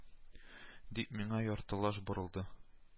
Дип миңа яртылаш борылды